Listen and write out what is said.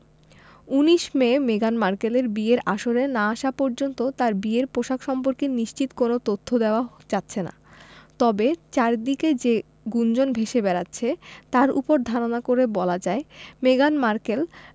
১৯ May মেগান মার্কেলের বিয়ের আসরে না আসা পর্যন্ত তাঁর বিয়ের পোশাক সম্পর্কে নিশ্চিত কোনো তথ্য দেওয়া যাচ্ছে না তবে চারদিকে যে গুঞ্জন ভেসে বেড়াচ্ছে তার ওপর ধারণা করে বলা যায় মেগান মার্কেল